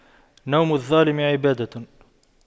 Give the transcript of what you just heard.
نوم الظالم عبادة